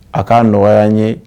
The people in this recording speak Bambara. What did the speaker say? A ka nɔgɔya n ye